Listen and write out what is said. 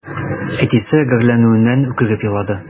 Әтисе гарьләнүеннән үкереп елады.